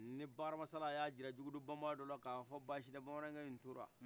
ni bakara masala y' a jira jugudu bamaadɔ ka fɔ basitɛ bamanankɛ in tora